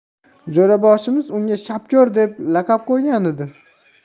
jo'raboshimiz unga shapko'r deb laqab qo'ygan edi